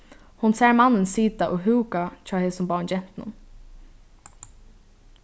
hon sær mannin sita og húka hjá hesum báðum gentunum